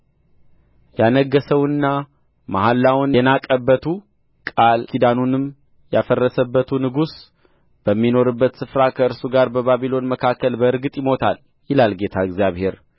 ያነገሠውና መሐላውን የናቀበቱ ቃል ኪዳኑንም ያፈረሰበቱ ንጉሥ በሚኖርበት ስፍራ ከእርሱ ጋር በባቢሎን መካከል በእርግጥ ይሞታል ይላል ጌታ እግዚአብሔር